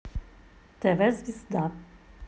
тв звезда